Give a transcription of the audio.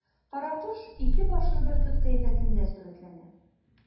Каракош ике башлы бөркет кыяфәтендә сурәтләнә.